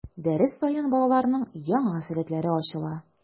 Дәрес саен балаларның яңа сәләтләре ачыла.